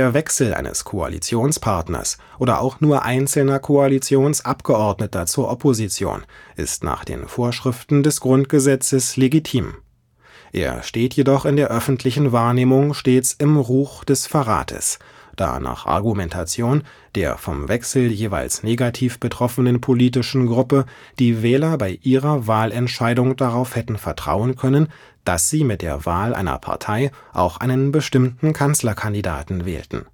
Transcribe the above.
Wechsel eines Koalitionspartners oder auch nur einzelner Koalitionsabgeordneter zur Opposition ist nach den Vorschriften des Grundgesetzes legitim. Er steht jedoch in der öffentlichen Wahrnehmung stets im Ruch des Verrates, da nach Argumentation der vom Wechsel jeweils negativ betroffenen politischen Gruppe die Wähler bei ihrer Wahlentscheidung darauf hätten vertrauen können, dass sie mit der Wahl einer Partei auch einen bestimmten Kanzlerkandidaten wählten